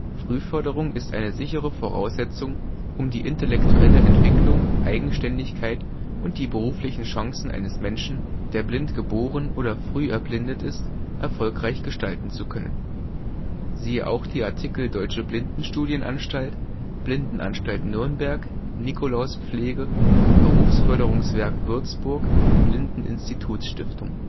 Frühförderung ist eine sichere Voraussetzung, um die intellektuelle Entwicklung, Eigenständigkeit und die beruflichen Chancen eines Menschen, der blind geboren oder früh erblindet ist, erfolgreich gestalten zu können. Siehe auch: Deutsche Blindenstudienanstalt, Blindenanstalt Nürnberg, Nikolauspflege, Berufsförderungswerk Würzburg, Blindeninstitutsstiftung